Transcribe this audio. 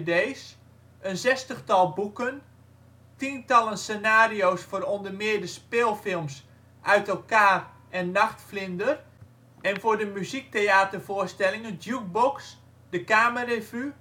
's, een zestigtal boeken, tientallen scenario 's voor onder meer de speelfilms Uit elkaar en Nachtvlinder en voor de muziektheatervoorstellingen Jukebox, de Kamerrevue